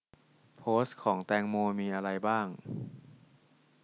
โพสต์ของแตงโมมีอะไรบ้าง